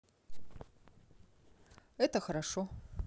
это хорошо